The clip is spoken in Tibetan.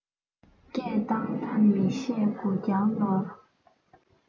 སྐད བཏང ན མི བཤད དགུ ཀྱང ནོར